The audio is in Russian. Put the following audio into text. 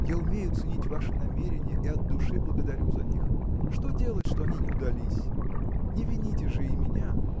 я умею ценить ваши намерения и от души благодарю за них. Что делать, что они не удались? Не вините же и меня.